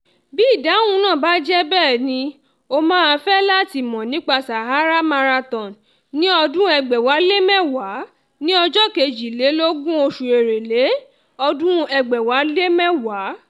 Bí ìdáhùn náà bá jẹ́ 'bẹ́ẹ̀ni', o máa fẹ́ láti mọ̀ nípa Sahara Marathon 2010 ní ọjọ́ 22 oṣù Èrèlé, ọdún 2010.